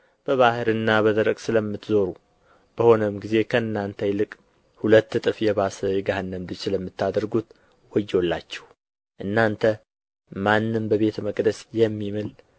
በባሕርና በደረቅ ስለምትዞሩ በሆነም ጊዜ ከእናንተ ይልቅ ሁለት እጥፍ የባሰ የገሃነም ልጅ ስለምታደርጉት ወዮላችሁ እናንተ ማንም በቤተ መቅደስ የሚምል